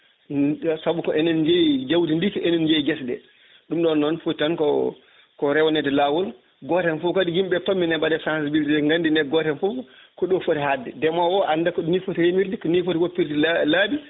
saabu ko enen jeeyi jawdi ndi ko enen jeeyi gueseɗe ɗum ɗo noon fo tan ko ko rewnede lawol goto hen foof kadi yimɓeɓe pammine mbaɗe sensibilisé gandine goto hen foof ko ɗo footi hadde ndeemowo anda ko ni footi remirde koni footi woppirde laabi